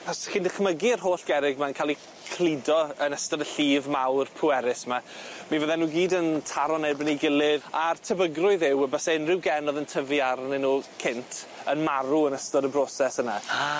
Os 'dych chi'n dychmygu'r holl gerrig ma'n ca'l 'u cludo yn ystod y llif mawr pwerus 'ma mi fydde nw gyd yn taro yn erbyn ei gilydd, a'r tebygrwydd yw y byse unryw gen o'dd yn tyfu arnyn nw cynt yn marw yn ystod y broses yna. A!